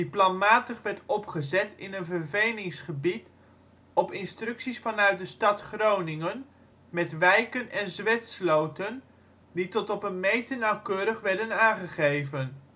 planmatig werd opgezet in een verveningsgebied op instructies vanuit de stad Groningen met wijken en zwetsloten die tot op de meter nauwkeurig werden aangegeven